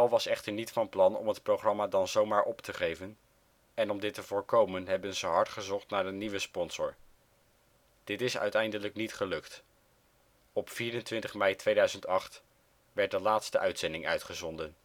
was echter niet van plan om het programma dan zomaar op te geven en om dit te voorkomen hebben ze hard gezocht naar een nieuwe sponsor. Dit is uiteindelijk niet gelukt. Op 24 mei 2008 werd de laatste uitzending uitgezonden